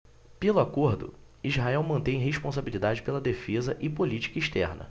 pelo acordo israel mantém responsabilidade pela defesa e política externa